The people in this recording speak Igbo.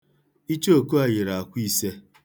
Ichooku a yiri akwa ise.